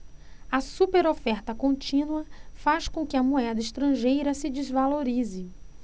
a superoferta contínua faz com que a moeda estrangeira se desvalorize